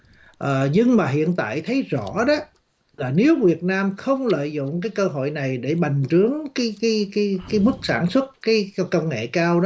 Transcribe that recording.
ờ nhưng mà hiện tại thấy rõ đó là nếu việt nam không lợi dụng cái cơ hội này để bành trướng kí kí kí kí mức sản xuất kí công nghệ cao